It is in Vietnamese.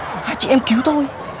hai chị em cứu tôi